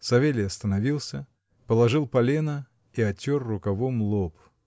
Савелий остановился, положил полено и отер рукавом лоб.